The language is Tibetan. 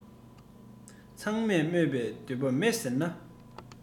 འདི ནི ཡོང རྒྱུ འཇིག རྟེན འཁོར བའི ལས